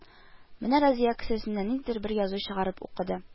Менә Разия кесәсеннән ниндидер бер язу чыгарып укыды